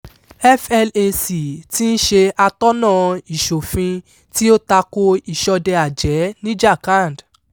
FLAC ti ń ṣe àtọ́nàa ìṣòfin tí ó tako ìṣọdẹ-àjẹ́ ní Jharkhand.